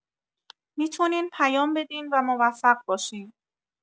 می‌تونین پیام بدین و موفق باشین.